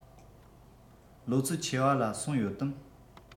ལོ ཚོད ཆེ བ ལ སོང ཡོད དམ